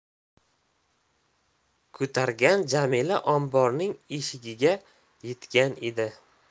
ko'targan jamila omborning eshigiga yetgan edi